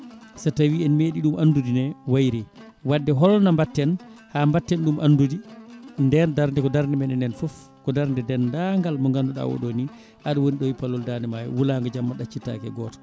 so tawi en meɗi ɗum andude ne wayri wadde holno mbatten ha mbatten ɗum anddude nden darde ko darde men enen foof ko darde dendagal mo ganduɗa oɗo ni aɗa woni ɗo e palol dande maayo wulango jamma ɗaccittake e goto